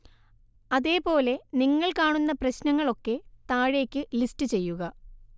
അതേ പോലെ നിങ്ങൾ കാണുന്ന പ്രശ്നങ്ങൾ ഒക്കെ താഴേക്ക് ലിസ്റ്റ് ചെയ്യുക